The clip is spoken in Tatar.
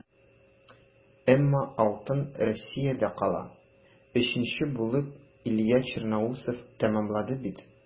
Әмма алтын Россиядә кала - өченче булып Илья Черноусов тәмамлады бит.